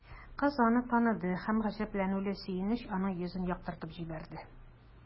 Кыз аны таныды һәм гаҗәпләнүле сөенеч аның йөзен яктыртып җибәрде.